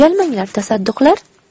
uyalmanglar tasadduqlar